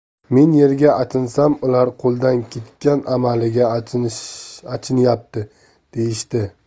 men yerga achinsam ular qo'ldan ketgan amaliga achinyapti deyishdi